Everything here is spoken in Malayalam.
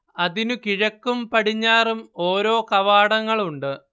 അതിനു കിഴക്കും പടിഞ്ഞാറും ഓരോ കവാടങ്ങളുണ്ട്